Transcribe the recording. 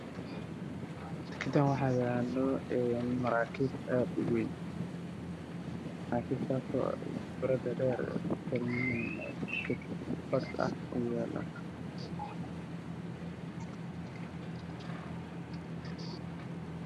Waa bad waxaa dhex socda maraakiib aada u waaweyn oo midafkooda iyo guduud